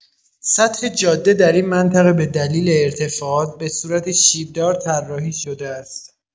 سطح جاده در این منطقه به دلیل ارتفاعات، به صورت شیب‌دار طراحی شده است.